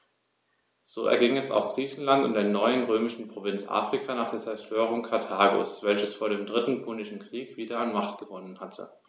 So erging es auch Griechenland und der neuen römischen Provinz Afrika nach der Zerstörung Karthagos, welches vor dem Dritten Punischen Krieg wieder an Macht gewonnen hatte.